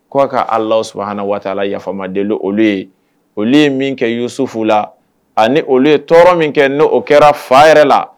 K'a ka ala suha waatila yafama deli olu ye olu ye min kɛsufu la ani olu ye tɔɔrɔ min kɛ n' o kɛra fa yɛrɛ la